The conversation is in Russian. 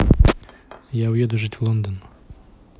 я уеду жить в лондон